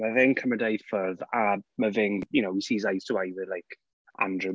Mae fe'n cymryd e i ffwrdd a mae fe'n you know, he sees eyes to eyes with like Andrew.